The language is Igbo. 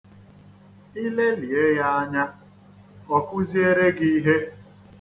I lelie ya anya, ọ kuziere gị ihe.